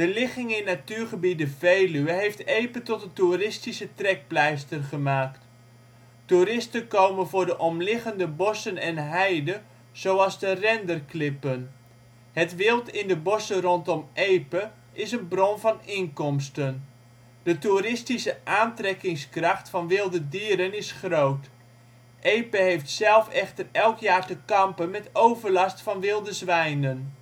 ligging in natuurgebied de Veluwe heeft Epe tot een toeristische trekpleister gemaakt. Toeristen komen voor de omliggende bossen en heide zoals de Renderklippen. Het wild in de bossen rondom Epe, is een bron van inkomsten. De toeristische aantrekkingskracht van wilde dieren is groot. Epe heeft zelf echter elk jaar te kampen met overlast van wilde zwijnen